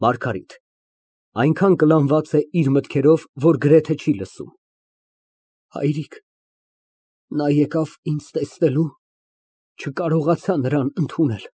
ՄԱՐԳԱՐԻՏ ֊ (Այնքան կլանված է իր մտքերով, որ գրեթե չի լսում) Հայրիկ, նա եկավ ինձ տեսնելու, չկարողացա նրան ընդունել։